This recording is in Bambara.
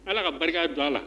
Ala ka barika do a la